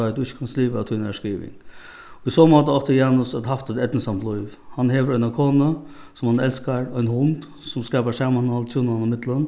tá ið tú ikki kanst liva av tínari skriving í so máta átti janus at havt eitt eydnusamt lív hann hevur eina konu sum hann elskar ein hund sum skapar samanhald hjúnanna millum